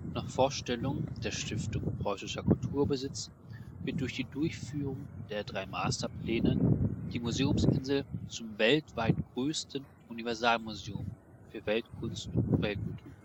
Nach Vorstellung der Stiftung Preußischer Kulturbesitz wird durch die Durchführung der drei Masterpläne die Museumsinsel zum weltweit größten Universalmuseum für Weltkunst und Weltkulturen